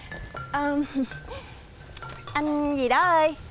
ơm anh gì đó ơi